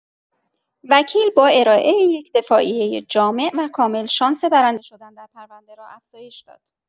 وکیل با ارائه یک دفاعیه جامع و کامل، شانس برنده شدن در پرونده را افزایش داد.